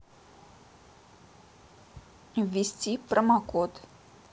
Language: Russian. ввести промокод